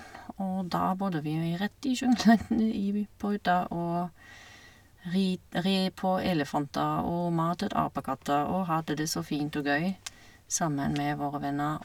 Og da bodde vi rett i jungelen i by på hytta, og rid red på elefanter og matet apekatter og hadde det så fint og gøy sammen med våre venner.